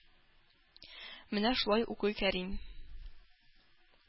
Менә шулай укый Кәрим,